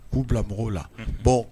K'u bila mɔgɔw la bɔ